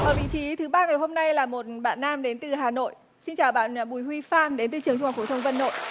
ở vị trí thứ ba ngày hôm nay là một bạn nam đến từ hà nội xin chào bạn ờ bùi huy phan đến từ trường trung học phổ thông vân nội